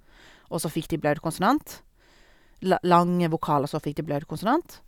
Og så fikk de blaut konsonant la lang vokal, og så fikk de blaut konsonant.